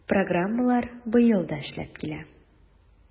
Программалар быел да эшләп килә.